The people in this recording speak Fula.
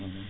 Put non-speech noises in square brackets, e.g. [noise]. [hesitation] [hesitation]